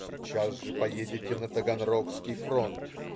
"Сейчас же поедете на Таганрогский фронт.